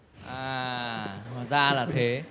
à hóa ra là thế